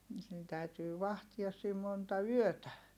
niitä täytyy vahtia siinä monta yötä